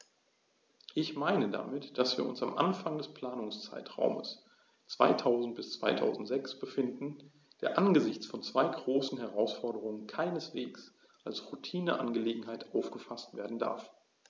Ich meine damit, dass wir uns am Anfang des Planungszeitraums 2000-2006 befinden, der angesichts von zwei großen Herausforderungen keineswegs als Routineangelegenheit aufgefaßt werden darf.